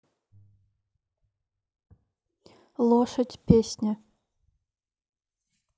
лошадь песня